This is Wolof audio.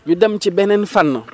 ñu dem ci beneen fànn